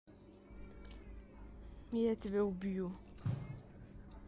я тебя убью